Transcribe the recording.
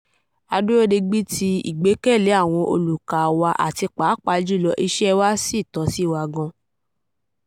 "A dúró digbí tí ìgbekẹ̀lé àwọn olùkà wa àti pàápàá jùlọ iṣẹ́ wa sì tọ́ sí wa gan.